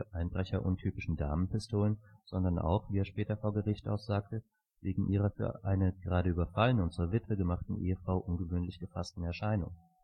Einbrecher untypischen „ Damenpistolen “, sondern auch, wie er später vor Gericht aussagte, wegen ihrer für eine gerade überfallene und zur Witwe gemachten Ehefrau ungewöhnlich gefassten Erscheinung